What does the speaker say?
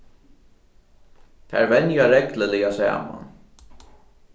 tær venja regluliga saman